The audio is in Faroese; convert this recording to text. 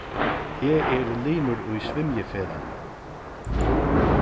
eg eri limur í svimjifelagnum